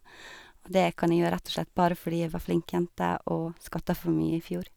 Og det kan jeg gjøre rett og slett bare fordi jeg var flink jente og skatta for mye i fjor.